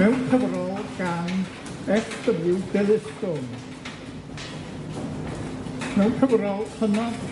mewn cyfrol gan Eff Double-you Delyth Jones, mewn cyfrol hynod